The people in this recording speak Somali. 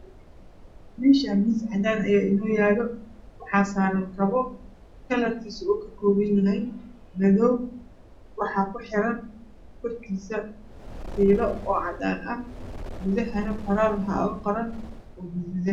Meeshaan miis cadaan ayaa igu yaalo waxaa saaran kabo calarkisan uu kakoban yahay madow waxaa kuxiran korkisa filo cadaad ah koduhana qoraal waxaa oga qoran oo gaduudan